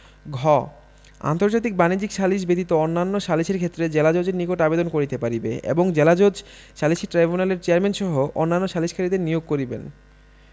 ঘ আন্তর্জাতিক বাণিজ্যিক সালিস ব্যতীত অন্যান্য সালিসের ক্ষেত্রে জেলাজজের নিকট আবেদন করিতে পারিবে এবং জেলাজজ সালিসী ট্রাইব্যুনালের চেয়ারম্যানসহ অন্যান্য সালিসকারীদের নিয়োগ করিবেন